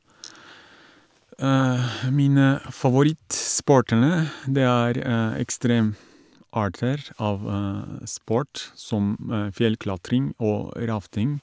Mine favorittsportene, det er ekstremarter av sport, som fjellklatring og rafting.